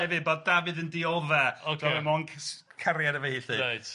...bod Dafydd yn diodda'... Ocê ...fod o mewn c- s- cariad efo hi 'lly... Reit reit